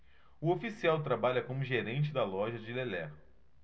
o oficial trabalha como gerente da loja de lelé